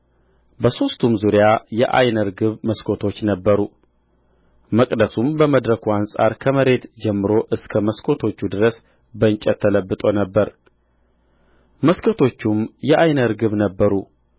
በሦስቱም ዙሪያ የዓይነ ርግብ መስኮቶች ነበሩ መቅደሱም በመድረኩ አንጻር ከመሬት ጀምሮ እስከ መስኮቶቹ ድረስ በእንጨት ተለብጦ ነበር መስኮቶቹም የዓይነ ርግብ ነበሩ